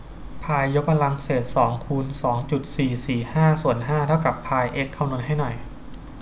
พายยกกำลังเศษสองคูณสองจุดสี่สี่ห้าส่วนห้าเท่ากับพายเอ็กซ์คำนวณให้หน่อย